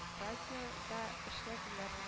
Радио да эшләделәр